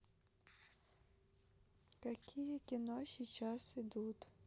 какие кино сейчас идут